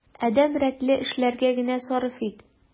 Адәм рәтле эшләргә генә сарыф ит.